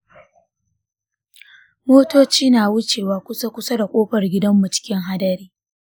motoci na wucewa kusa-kusa da kofar gidanmu cikin haɗari.